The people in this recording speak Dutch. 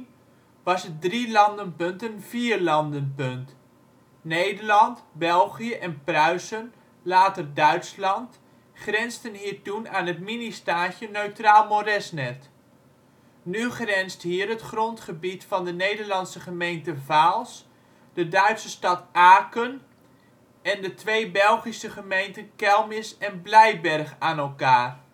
was het Drielandenpunt een Vierlandenpunt. Nederland, België en Pruisen (later Duitsland) grensden hier toen aan het ministaatje Neutraal Moresnet. Nu grenst hier het grondgebied van de Nederlandse gemeente Vaals, de Duitse stad Aken en de twee Belgische gemeenten Kelmis en Bleiberg aan elkaar